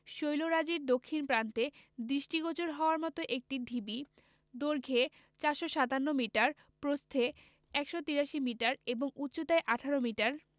শৈলরাজির দক্ষিণ প্রান্তে দৃষ্টিগোচর হওয়ার মতো একটি ঢিবি দৈর্ঘ্যে ৪৫৭ মিটার প্রস্থে ১৮৩ মিটার এবং উচ্চতায় ১৮ মিটার